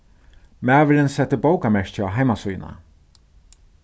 maðurin setti bókamerki á heimasíðuna